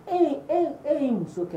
E e ye muso kɛ